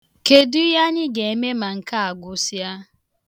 Kedu ihe anyị ga-eme ma nkea gwụsịa?